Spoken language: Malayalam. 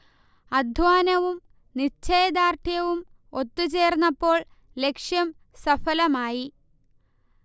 അധ്വാനവും നിശ്ചയദാർഢ്യവും ഒത്തു ചേർന്നപ്പോൾ ലക്ഷ്യം സഫലമായി